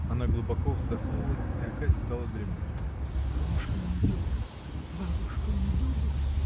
Она глубоко вздохнула и опять стала дремать. — Бабушка нейдет! Бабушка не любит!